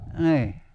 niin